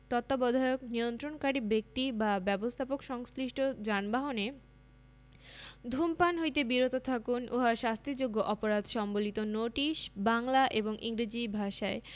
তত্ত্বাবধায়ক নিয়ন্ত্রণকারী ব্যক্তি বা ব্যবস্থাপক সংশ্লিষ্ট যানবাহনে ধূমপান হইতে বিরত থাকুন উহা শাস্তিযোগ্য অপরাধ সম্বলিত নোটিশ বাংলা এবং ইংরেজী ভাষায়